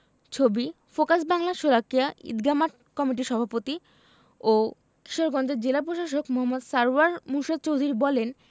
ছবি ফোকাস বাংলাশোলাকিয়া ঈদগাহ মাঠ কমিটির সভাপতি ও কিশোরগঞ্জের জেলা প্রশাসক মো. সারওয়ার মুর্শেদ চৌধুরী বলেন